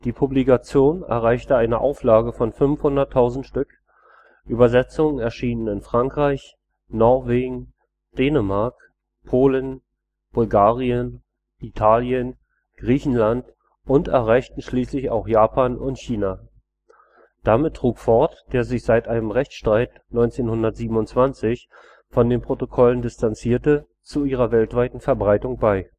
Publikation erreichte eine Auflage von 500.000 Stück, Übersetzungen erschienen in Frankreich, Norwegen, Dänemark, Polen, Bulgarien, Italien, Griechenland und erreichten schließlich auch Japan und China. Damit trug Ford, der sich seit einem Rechtstreit 1927 von den Protokollen distanzierte, zu ihrer weltweiten Verbreitung bei